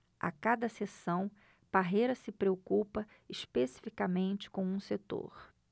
a cada sessão parreira se preocupa especificamente com um setor